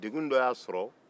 degun dɔ y'a sɔrɔ